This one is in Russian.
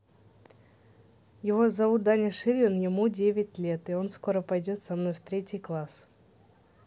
его зовут даня ширин ему девять лет и он скоро пойдет со мной в третий класс